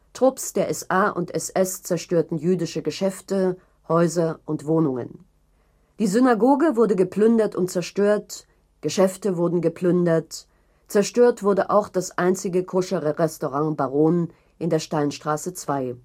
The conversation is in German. Trupps der SA und SS zerstörten jüdische Geschäfte, Häuser und Wohnungen. Die Synagoge wurde geplündert und zerstört, Geschäfte wurden geplündert. Zerstört wurde auch das einzige koschere „ Restaurant Baron “in der Steinstraße 2